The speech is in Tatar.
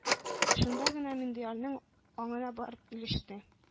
Шунда гына Миндиярның аңына барып иреште: